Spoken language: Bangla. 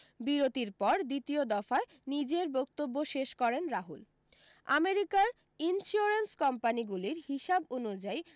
বিরতির পর দ্বিতীয় দফায় নিজের বক্তব্য শেষ করেন রাহুল আমেরিকার ইনসিওরেন্স কোম্পানিগুলির হিসাব অনু্যায়ী